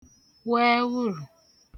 wụ ẹwụ̀rụ̀